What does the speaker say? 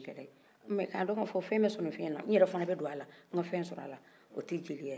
mais k a don ka fɔ fɛ bɛ sɔrɔ ni fɛ in na n yɛrɛ fana bɛ don ala n ka fɛ sɔr'a la o tɛ jeliya ye